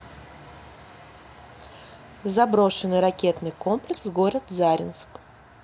заброшенный ракетный комплекс город заринск